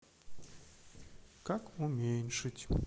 как уменьшить